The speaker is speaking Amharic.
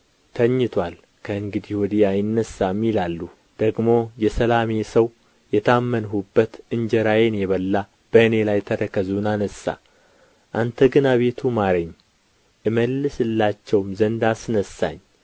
ተኝቶአል ከእንግዲህ ወዲህ አይነሣም ይላሉ ደግሞ የሰላሜ ሰው የታመንሁበት እንጀራዬን የበላ በእኔ ላይ ተረከዙን አነሣ አንተ ግን አቤቱ ማረኝ እመልስላቸውም ዘንድ አስነሣኝ